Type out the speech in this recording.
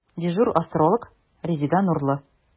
Дежур астролог – Резеда Нурлы.